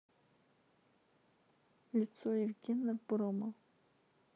лицо евгена брома